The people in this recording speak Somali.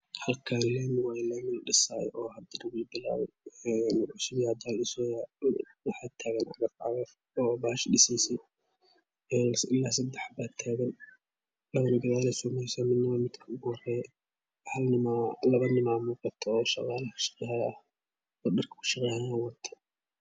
Hal kaan lami waye laami ladhisayo dhulka waxa tagan cagaf cagaf oo paasha dhiseesay sadxpa taagan lapana gal pey samenasaa midan horey laba n8naa kashaqenayan oo shaqaal ah oo dharka ku shaqenayaan wato